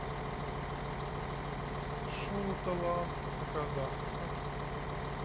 шоу талант на казахском